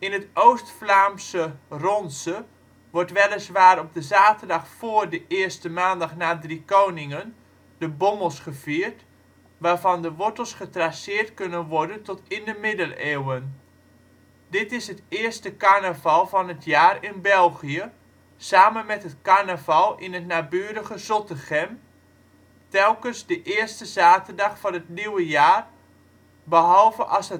het Oost-Vlaamse Ronse wordt weliswaar op de zaterdag vóór de eerste maandag na Driekoningen de Bommels gevierd, waarvan de wortels getraceerd kunnen worden tot in de Middeleeuwen. Dit is het eerste carnaval van het jaar in België, samen met het carnaval in het naburige Zottegem (telkens de eerste zaterdag van het nieuwe jaar, behalve als